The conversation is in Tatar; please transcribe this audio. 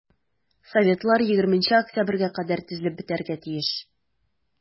Советлар 20 октябрьгә кадәр төзелеп бетәргә тиеш.